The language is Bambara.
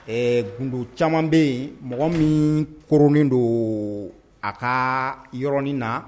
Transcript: Ɛɛ gundo caman bɛ yen mɔgɔ min kurunin don a ka yɔrɔɔrɔnin na